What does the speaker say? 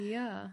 Ia.